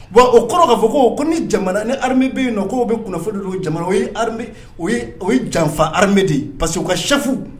Bon o kɔrɔ'a fɔ ko ni jamana ni hamibe nɔn' bɛ kunnafoni o jamana o ye o ye janfa hame de ye parce que u ka safu